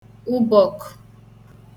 ụbọ̀kụ̀